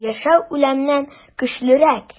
Яшәү үлемнән көчлерәк.